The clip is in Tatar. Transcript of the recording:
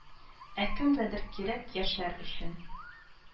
Ә кемгәдер кирәк яшәр өчен